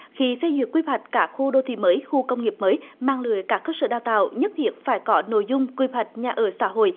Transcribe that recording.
khi phê duyệt quy hoạch các khu đô thị mới khu công nghiệp mới mạng lưới các cơ sở đào tạo nhất thiết phải có nội dung quy hoạch nhà ở xã hội